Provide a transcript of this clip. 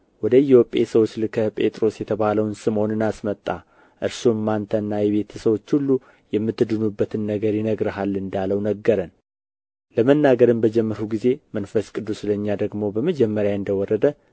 ወደ ኢዮጴ ሰዎች ልከህ ጴጥሮስ የተባለውን ስምዖንን አስመጣ እርሱም አንተና የቤትህ ሰዎች ሁሉ የምትድኑበትን ነገር ይነግርሃል እንዳለው ነገረን ለመናገርም በጀመርሁ ጊዜ መንፈስ ቅዱስ ለእኛ ደግሞ በመጀመሪያ እንደ ወረደ